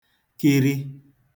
kiri